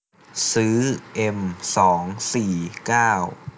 ซื้อเอ็มสองสี่เก้า